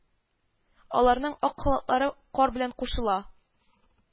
Аларның ак халатлары кар белән кушыла